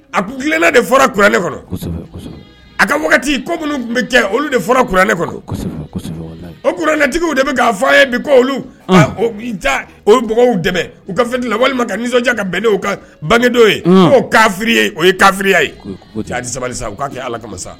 A tun tilenna de fɔraɛ ne kɔnɔ a ka wagati ko minnu tun bɛ kɛ olu de fɔrauranɛ ne ouranɛtigiw dɛmɛ k'a fɔ ye bi olu o dɛmɛ u kafiti la walima ka nisɔndiya ka bɛnnen ka bangedo ye kafi ye o ye kafiya ye sabali u k'a kɛ ala kami sa